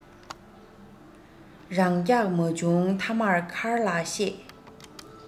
རགས རྒྱག མ བྱུང མཐའ མར མཁར ལ གཤེད